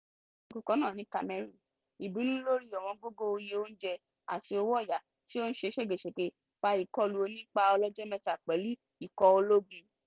Ní àsìkò kan náà ní Cameroon, ìbínú lórí ọ̀wọ́ngógó iye ọjà àti owó ọ̀yà tí ó ń ṣe ṣégeṣège fa ìkọlù onípá ọlọ́jọ́ mẹ́ta pẹ̀lú ikọ̀ ológun.